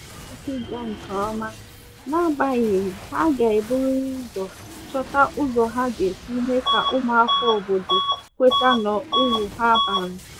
Iji nwee ike gaa nkeọma, na-agbanyeghị, ha ga-eburiri ụzọ chọta ụzọ ha ga-esi mee ka ụmụafọ obodo kweta n'uru ha bara.